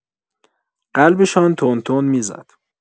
قلبشان تند تند می‌زد.